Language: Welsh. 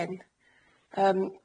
hyn yym.